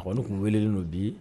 Kɔɔnun tun weelelen do bii